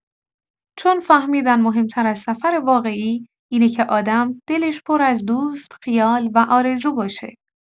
چون فهمیدن مهم‌تر از سفر واقعی، اینه که آدم دلش پر از دوست، خیال و آرزو باشه.